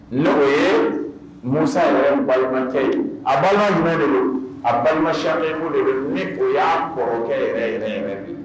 N oo ye musa yɛrɛ n balimakɛ ye a balima de don a balimaya min de ye ni ko y'a kɔrɔkɛkɛ yɛrɛ yɛrɛ bi